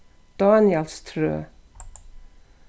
dánjalstrøð